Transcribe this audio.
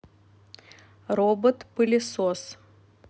робот пылесос